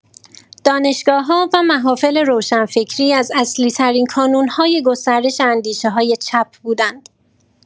دانشگاه‌‌ها و محافل روشنفکری از اصلی‌ترین کانون‌های گسترش اندیشه‌های چپ بودند.